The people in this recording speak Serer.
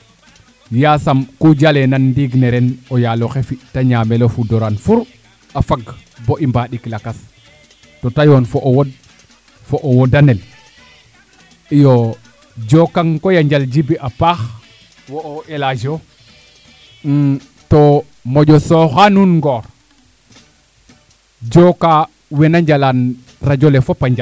yasam ku jalena ndiig ne ren o yaalo xe fi a ñamel o fudo ran fur a fag bo'i mbandik lakas to te yoon fo'o wod fo o wodanel iyo jokang koy a njal Djiby a paax wo'o Elhadj yo to moƴo sooxa nuun ngoor joko wena njala radiole fopa njal